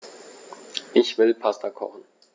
Ich will Pasta kochen.